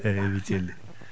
eeei eɓe celli